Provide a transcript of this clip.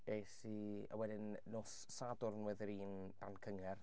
Es i... a wedyn nos Sadwrn wedd yr un am cyngerdd.